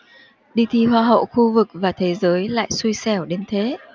đi thi hoa hậu khu vực và thế giới lại xui xẻo đến thế